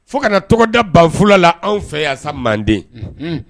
Fo kana tɔgɔ da banf la anw fɛ walasasa manden